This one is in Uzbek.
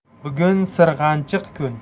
bugun sirg'anchiq kun